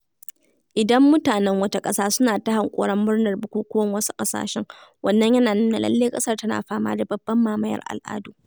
Idan mutanen wata ƙasa suna ta hanƙoron murnar bukukuwan wasu ƙasashe, wannan yana nuna lallai ƙasar tana fama da babban mamayar al'adu.